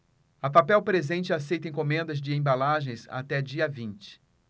a papel presente aceita encomendas de embalagens até dia vinte